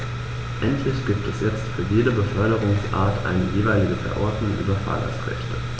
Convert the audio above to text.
Endlich gibt es jetzt für jede Beförderungsart eine jeweilige Verordnung über Fahrgastrechte.